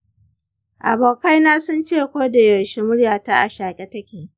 abokaina sun ce ko da yaushe muryata a shaƙe take.